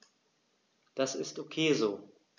Das ist ok so.